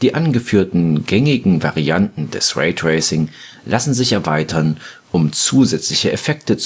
angeführten gängigen Varianten des Raytracings lassen sich erweitern, um zusätzliche Effekte